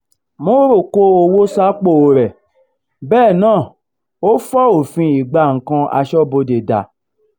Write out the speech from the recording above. Moro kó owó sápòo rẹ̀ bẹ́ẹ̀ náà ó fo òfin ìgbanǹkan Aṣọ́bodè dá.